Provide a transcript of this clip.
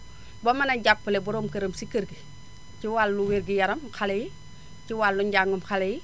ba mën a jàppale borom këram si kër gi ci wàllu wér gu yaram xale yi ci wàllu njàngum xale yi